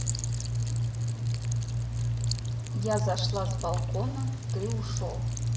я зашла с балкона ты ушел